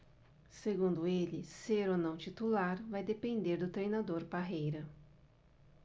segundo ele ser ou não titular vai depender do treinador parreira